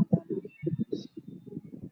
waa meel cadaan